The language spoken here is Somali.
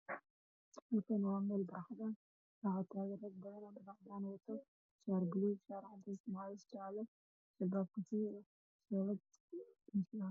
Waa meel banaan oo joogaan dad badan oo isbuuc jiro niman iyo naago oo gees u kala taagan yihiin